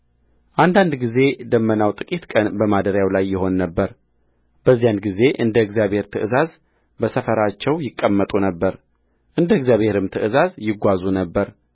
አንዳንድ ጊዜ ደመናው ጥቂት ቀን በማደሪያው ላይ ይሆን ነበር በዚያን ጊዜ እንደ እግዚአብሔር ትእዛዝ በሰፈራቸው ይቀመጡ ነበር እንደ እግዚአብሔርም ትእዛዝ ይጓዙ ነበር